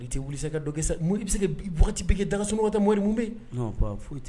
Tɛ wuli se ka mori bɛ se bi waati bɛɛ kɛ daga sunɔgɔta mori minnu bɛ foyi tɛ